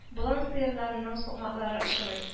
Болан сыерларының сукмаклары очрый